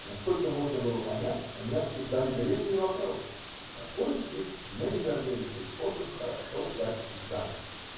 Насколько можно было понять, они обсуждали древний вопрос: какой есть наивернейший способ хорошо сдать экзамен?